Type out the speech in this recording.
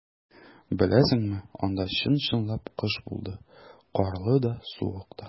Беләсеңме, анда чын-чынлап кыш булды - карлы да, суык та.